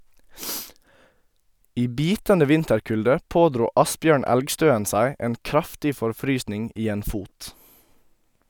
I bitende vinterkulde pådro Asbjørn Elgstøen seg en kraftig forfrysning i en fot.